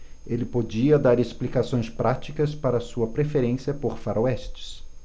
ele podia dar explicações práticas para sua preferência por faroestes